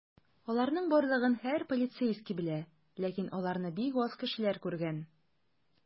Аларның барлыгын һәр полицейский белә, ләкин аларны бик аз кешеләр күргән.